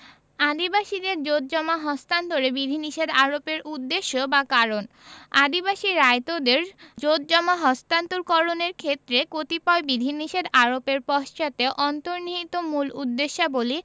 আদিবাসীদের জোতজমা হস্তান্তরে বিধিনিষেধ আরোপের উদ্দেশ্য বা কারণ আদিবাসী রায়তদের জোতজমা হস্তান্তর করণের ক্ষেত্রে কতিপয় বিধিনিষেধ আরোপের পশ্চাতে অন্তর্নিহিত মূল উদ্দেশ্যাবলী